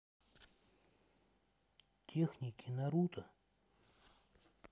техники наруто